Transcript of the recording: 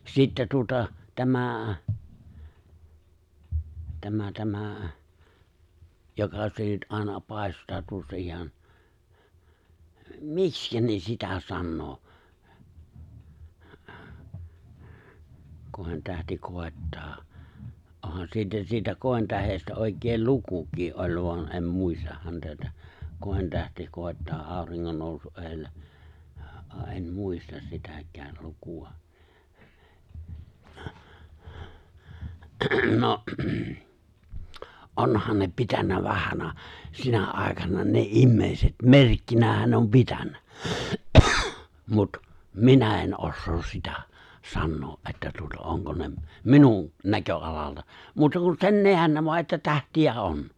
sitten tuota tämä tämä tämä joka se nyt aina paistaa tuossa ihan miksi ne sitä sanoo kointähti koittaa onhan siitä siitä kointähdestä oikein lukukin on vaan en muista häntä että kointähti koittaa auringon nousun edellä ja en muista sitäkään lukua no onhan ne pitänyt vanhana sinä aikana ne ihmiset merkkinä ne on pitänyt mutta minä en osaa sitä sanoa että tuota onko ne minun näköalalta muuta kuin sen näen vain että tähtiä on